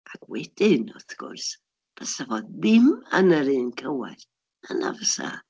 Ac wedyn, wrth gwrs, fysa fo ddim yn yr un cywair, na fysa.